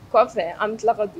Kɔfɛ an tila ka don